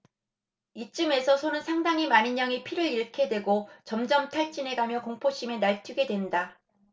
이쯤에서 소는 상당히 많은 양의 피를 잃게 되고 점점 탈진해 가며 공포심에 날뛰게 된다